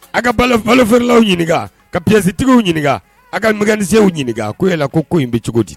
A ka balafaflaw ɲininka ka psitigiww ɲininka a ka manisisew ɲininka ko yala ko in bɛ cogo di